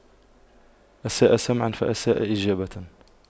أساء سمعاً فأساء إجابة